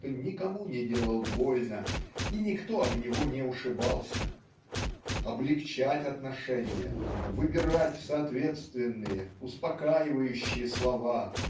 что никому не делал больно и никто об него не ушибался. Облегчать отношения выбирать соответственные успокаивающие слова